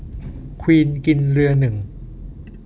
ควีนกินเรือหนึ่ง